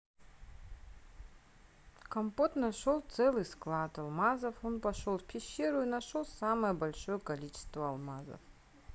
компот нашел целый склад алмазов он пошел в пещеру и нашел самое большое количество алмазов